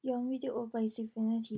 ย้อนวีดีโอไปสิบวินาที